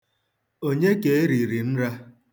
Onye ka e riri nra?